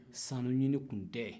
sanu ɲinin tun tɛ